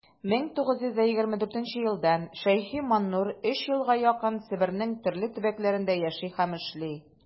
1924 елдан ш.маннур өч елга якын себернең төрле төбәкләрендә яши һәм эшли.